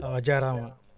waaw jaaraama